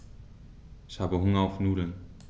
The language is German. Ich habe Hunger auf Nudeln.